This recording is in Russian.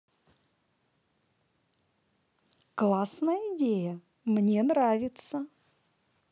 классная идея мне нравится